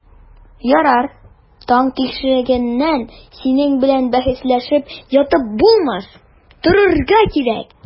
Ярар, таң тишегеннән синең белән бәхәсләшеп ятып булмас, торырга кирәк.